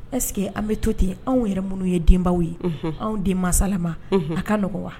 Est ce que an bɛ to ten anw yɛrɛ minnu ye denbaw ye unhun anw den masalama unhun a ka nɔgɔn wa